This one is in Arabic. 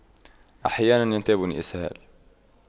أحيانا ينتابني اسهال